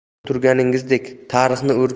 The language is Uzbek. ko'rib turganingizdek tarixni